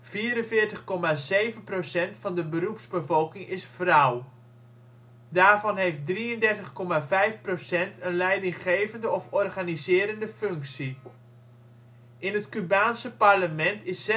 44,7 % van de beroepsbevolking is vrouw. Daarvan heeft 33,5 % een leidinggevende of organiserende functie. In het Cubaanse parlement is